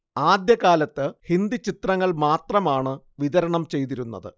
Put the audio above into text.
ആദ്യ കാലത്ത് ഹിന്ദി ചിത്രങ്ങൾ മാത്രമാണ് വിതരണം ചെയ്തിരുന്നത്